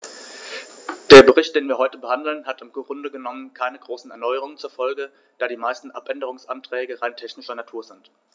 Der Bericht, den wir heute behandeln, hat im Grunde genommen keine großen Erneuerungen zur Folge, da die meisten Abänderungsanträge rein technischer Natur sind.